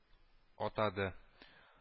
Атады